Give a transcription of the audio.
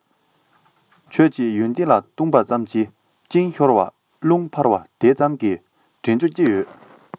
ཁྱོད ཀྱི ཡོན ཏན ལ བཏུངས པ ཙམ གྱིས གཅིན ཤོར བ རླུང འཕར བ དེ ཙམ གས དྲིན རྒྱུ ཅི ཡོད